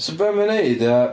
So be' mae'n wneud ia...